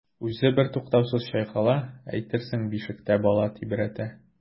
Үзе бертуктаусыз чайкала, әйтерсең бишектә бала тибрәтә.